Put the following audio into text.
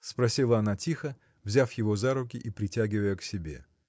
– спросила она тихо, взяв его за руки и притягивая к себе.